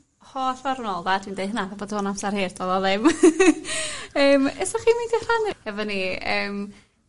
holl ffor' nôl 'da dwi'n deud hynna fel bod o'n amsar hir do'dd o ddim. Yym yy sach chi'n meindio rhannu hefo ni yym